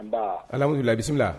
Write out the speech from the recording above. Anba, alihamidulila bisimila